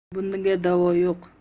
bunga davo yo'q